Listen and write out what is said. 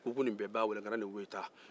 kunkun ni bɛɛn baa wɛlɛkana ni weetaa